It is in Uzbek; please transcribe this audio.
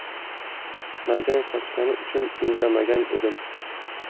mazang qochgani uchun indamagan edim